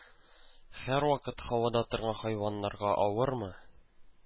Һәрвакыт һавада торган хайваннарга авырмы?